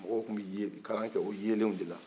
mɔgɔw tun be kalan kɛ o yelenw de la